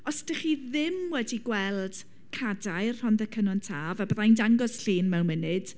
Os dach chdi ddim wedi gweld cadair, Rhondda Cynon Taf, a byddai'n dangos llun mewn munud.